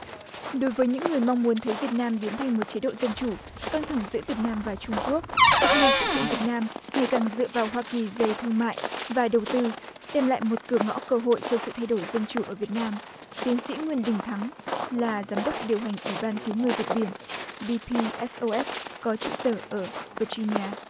đối với những người mong muốn thấy việt nam biến thành một chế độ dân chủ căng thẳng giữa việt nam và trung quốc cũng như sự kiện việt nam ngày càng dựa vào hoa kỳ về thương mại và đầu tư đem lại một cửa ngõ cơ hội cho sự thay đổi dân chủ ở việt nam tiến sĩ nguyễn đình thắng là giám đốc điều hành ủy ban cứu người việt biển bi bi s o s có trụ sở ở vơ gi na